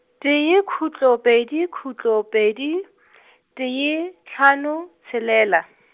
tee khutlo pedi khutlo pedi , tee, hlano, tshelela.